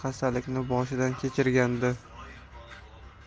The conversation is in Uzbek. xastalikni boshdan kechirgandi